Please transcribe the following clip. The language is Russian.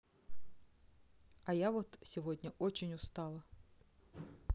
а я вот сегодня очень устала